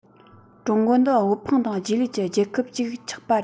ཀྲུང གོ འདི དབུལ ཕོངས དང རྗེས ལུས ཀྱི རྒྱལ ཁབ ཅིག ཆགས པ རེད